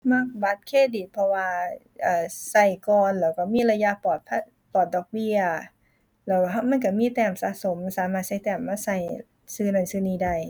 มักบัตรเครดิต เพราะว่า เอ่อ ใช้ก่อนแล้วใช้มีระยะปลอดภัย ปลอดดอกเบี้ย แล้ว มันใช้มีแต้มสะสมสามารถใช้แต้มมาใช้ซื้อนั่นซื้อนี่ได้